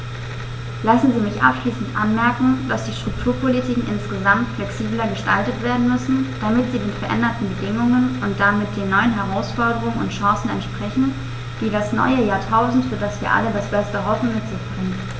Lassen Sie mich abschließend anmerken, dass die Strukturpolitiken insgesamt flexibler gestaltet werden müssen, damit sie den veränderten Bedingungen und damit den neuen Herausforderungen und Chancen entsprechen, die das neue Jahrtausend, für das wir alle das Beste hoffen, mit sich bringt.